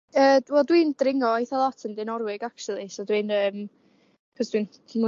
Yy wel dwi'n dringo eitha' lot yn Dinorwig actually so dwi'n ymm cos dwi'n